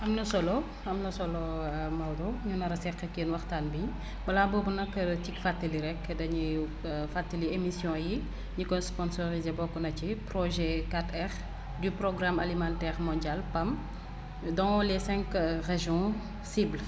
am na solo am na solo Maodo ñu nar a séq ak yéen waxtaan bi balaa boobu nag cig fàttali rekk dañuy fàttali émissions yi ñi ko sponsorisé bokk na ci projet 4R du programme alimentaire mondial PAM dans les cinq régions cibles